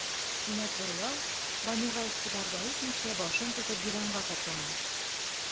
Кинәт борыла, Бануга игътибар да итмичә, башын тотып, диванга каплана.